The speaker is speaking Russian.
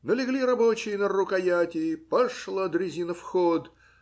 Налегли рабочие на рукояти; пошла дрезина в ход.